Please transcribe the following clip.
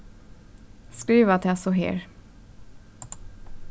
skriva tað so her